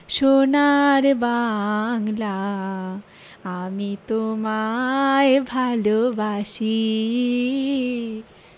সোনার বাংলা আমি তোমায় ভালবাসি